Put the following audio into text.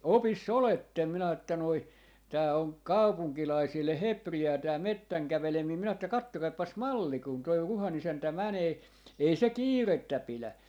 opissa olette minä että noin tämä on kaupunkilaisille hepreaa tämä metsän käveleminen minä että katsokaapas malli kun tuo Ruhan isäntä menee ei se kiirettä pidä